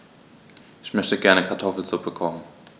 Ich möchte gerne Kartoffelsuppe kochen.